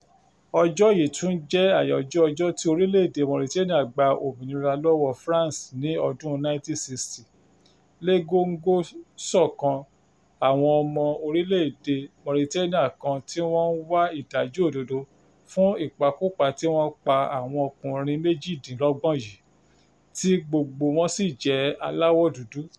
Ọjọ́ yìí, tún jẹ́ àyájọ́ ọjọ́ tí orílẹ̀-èdè Mauritania gba òmìnira lọ́wọ́ France ní ọdún 1960, lé góńgó sọ́kàn àwọn ọmọ orílẹ̀-èdè Mauritania kan tí wọ́n ń wá ìdájọ́ òdodo fún ìpakúpa tí wọ́n pa àwọn ọkùnrin 28 yìí, tí gbogbo wọn sì jẹ́ aláwọ̀ dúdú.